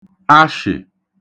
ashị̀